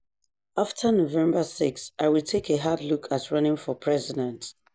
"After November 6, I will take a hard look at running for president."